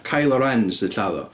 Kylo Ren sy'n lladd o.